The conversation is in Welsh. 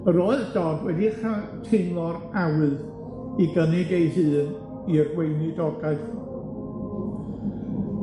yr oedd Dodd wedi rha- teimlo'r awydd i gynnig ei hun i'r gweinidogaeth.